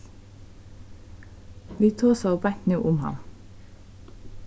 vit tosaðu beint nú um hann